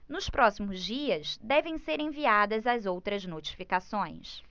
nos próximos dias devem ser enviadas as outras notificações